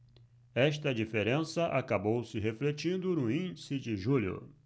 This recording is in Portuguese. esta diferença acabou se refletindo no índice de julho